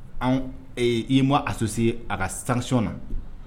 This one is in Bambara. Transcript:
I ma a sosi a ka sansi na